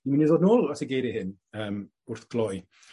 Ni myn' i ddod nôl at y geirie hyn yym wrth gloi.